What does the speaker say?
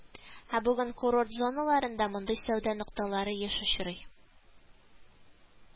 Ә бүген курорт зоналарында мондый сәүдә нокталары еш очрый